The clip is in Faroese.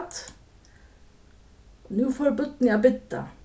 nú fóru børnini at bidda